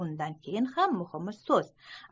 undan ham muhimi soz